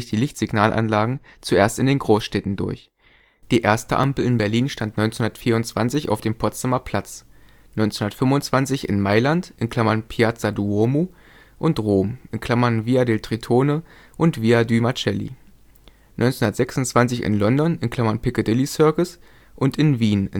Lichtsignalanlagen zuerst in den Großstädten durch: Die erste Ampel in Berlin stand 1924 auf dem Potsdamer Platz, 1925 in Mailand (Piazza Duomo) und Rom (Via del Tritone/Via Due Macelli), 1926 in London (Piccadilly Circus) und in Wien